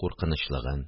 Куркынычлыгын